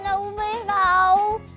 đâu có biết đâu